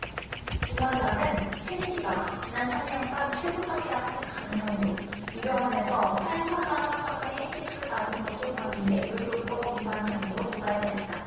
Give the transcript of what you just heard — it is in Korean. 김 원장은 최씨가 지난 삼 년간 최보정이란 가명으로 이 병원에서 팔천 만원 상당의 시술을 받은 것으로 확인돼 의료법 위반 혐의로 고발됐다